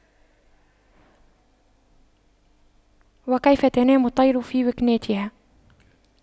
وكيف تنام الطير في وكناتها